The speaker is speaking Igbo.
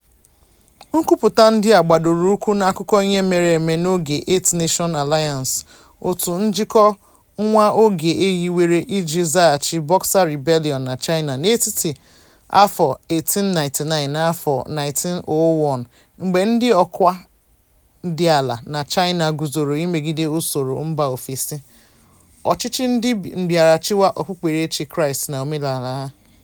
Nkwupụta ndị a gbadoroụkwụ n'akụkọ ihe mere eme n'oge Eight-Nation Alliance, òtù njikọ nwa oge e hiwere iji zaghachi Boxer Rebellion na China n'etiti 1899 na 1901 mgbe ndị ọkwá dị ala na China guzoro ịmegide usoro mba ofesi, ọchịchị ndị mbịarachiwa, okpukperechi Kraịst na omenala ha.